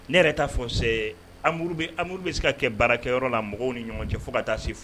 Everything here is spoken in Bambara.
Ne yɛrɛ t'a fɔ c'est amour be amour be se ka kɛ baara kɛyɔrɔ la mɔgɔw ni ɲɔgɔn cɛ fo ka taa se f